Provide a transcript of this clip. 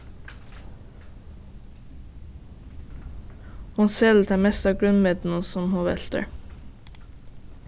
hon selur tað mesta av grønmetinum sum hon veltir